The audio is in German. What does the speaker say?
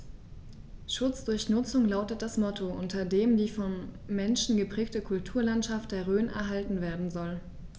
„Schutz durch Nutzung“ lautet das Motto, unter dem die vom Menschen geprägte Kulturlandschaft der Rhön erhalten werden soll.